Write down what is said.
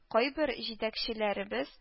Кайбер җитәкчеләребез